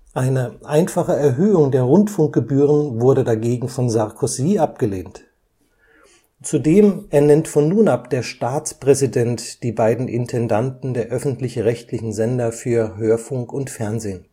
Eine einfache Erhöhung der Rundfunkgebühren wurde dagegen von Sarkozy abgelehnt. Zudem ernennt von nun ab der Staatspräsident die beiden Intendanten der öffentlich-rechtlichen Sender für Hörfunk und Fernsehen